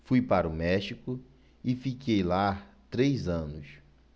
fui para o méxico e fiquei lá três anos